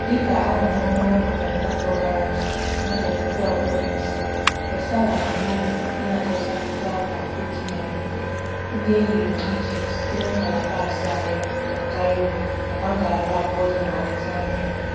Dịka a nọ n'ọnwa Ramadan n'afọ gara aga (n'afọ puku abụọ na asaa), Resala bu n'obi ịnakọta ibé akwa otu narị puku ndị e yiri na Egypt site na ngalaba asaa ya na Cairo nakwa ngalaba abụọ dị n'Alexandria.